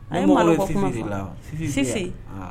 A malo sisansi